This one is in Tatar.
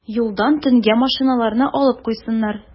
Юлдан төнгә машиналарны алып куйсыннар.